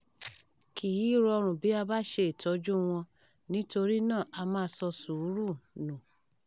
Kì í rọrùn bí a bá ń ṣe ìtọ́júu wọn, nítorí náà a máa sọ sùúrù nù.